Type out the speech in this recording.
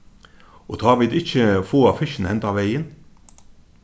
og tá vit ikki fáa fiskin hendan vegin